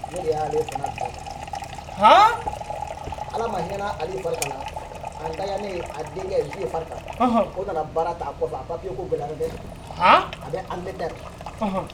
Ne de y'ale fana Han, Ala ma hinɛ na Ali Fariga la, a danɲanen a denkɛ, Wiye Fariga, ɔnhɔn, o nana baara ta a kɔfɛ, a papier kow gɛlɛyara dɛ, a bɛ Angleterre ɔnhɔn.